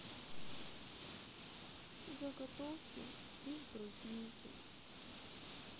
заготовки из брусники